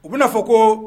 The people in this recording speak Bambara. U bena fɔ koo